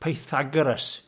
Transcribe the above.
Pythagoras.